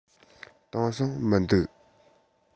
དེང སང མི འདུག